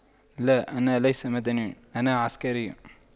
لا انا ليس مدني إنا عسكري